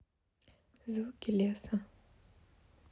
звуки леса